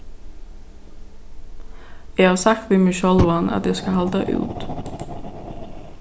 eg havi sagt við meg sjálvan at eg skal halda út